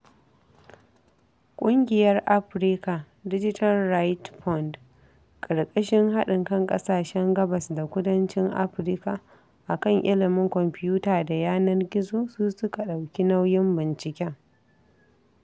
ƙungiyar Africa Digital Rights Fund ƙarƙashin haɗin kan ƙasashen gabas da kudancin Afirka a kan ilimin kwamfuta da yanar gizo su suka ɗauki nauyin binciken.